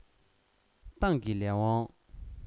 ཏང གི ལས དབང